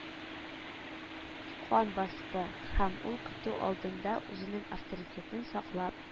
Кан басты, һәм ул көтү алдында үзенең авторитетын саклап